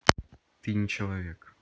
ты не человек